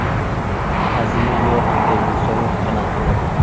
hazili yo'q dedi sovuqqina qilib